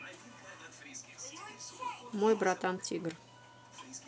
мой братан тигр